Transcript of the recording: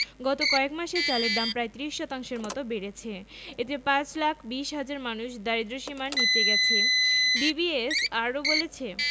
গত কয়েক মাসে চালের দাম প্রায় ৩০ শতাংশের মতো বেড়েছে এতে ৫ লাখ ২০ হাজার মানুষ দারিদ্র্যসীমার নিচে গেছে বিবিএস আরও বলছে